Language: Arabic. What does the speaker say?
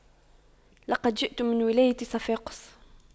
لقد جئت من ولاية صفاقس